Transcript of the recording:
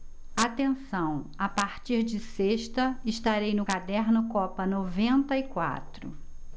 atenção a partir de sexta estarei no caderno copa noventa e quatro